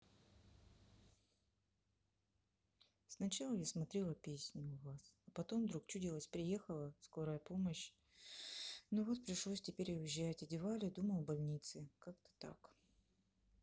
сначала я смотрела песню у вас а потом вдруг чудилось приехала скорая помощь но вот пришлось теперь уезжать одевали думал больнице как то так